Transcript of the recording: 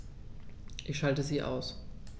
Ich schalte sie aus.